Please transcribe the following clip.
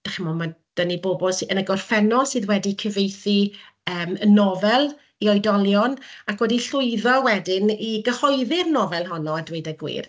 dach chimod ma' 'da ni bobl s- yn y gorffennol sydd wedi cyfieithu yym nofel i oedolion ac wedi llwyddo wedyn i gyhoeddi'r nofel honno a dweud y gwir.